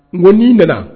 Nin nana